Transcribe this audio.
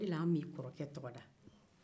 o de la anw m'i kɔrɔke tɔgɔ da